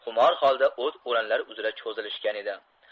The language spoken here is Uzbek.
xumor holda o't o'lanlar uzra cho'zilishgan edi